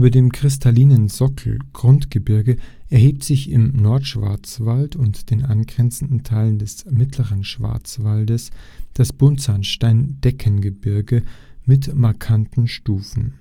dem kristallinen Sockel (Grundgebirge) erhebt sich im Nordschwarzwald und in den angrenzenden Teilen des Mittleren Schwarzwaldes das Buntsandstein-Deckgebirge mit markanten Stufen